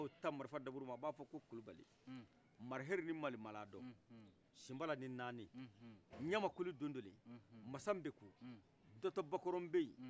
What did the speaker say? n' a yo ta aka marifa duruma a b'a fɔ ko kulubali mari heli ni mari maladɔ senbala ni nani ɲama kulu dondoli masa mbeku dɔtɔ bakɔrɔ beyi